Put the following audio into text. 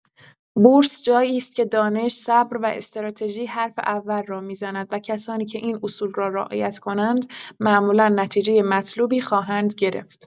بورس جایی است که دانش، صبر و استراتژی حرف اول را می‌زند و کسانی که این اصول را رعایت کنند، معمولا نتیجه مطلوبی خواهند گرفت.